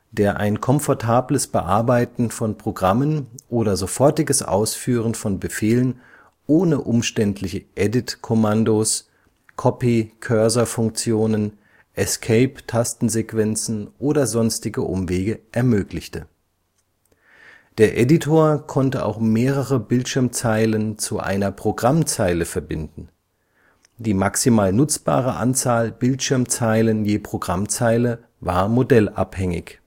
der ein komfortables Bearbeiten von Programmen oder sofortiges Ausführen von Befehlen ohne umständliche EDIT-Kommandos, Copy-Cursor-Funktionen, ESCAPE-Tastensequenzen oder sonstige Umwege ermöglichte. Der Editor konnte auch mehrere Bildschirmzeilen zu einer Programmzeile verbinden; die maximal nutzbare Anzahl Bildschirmzeilen je Programmzeile war modellabhängig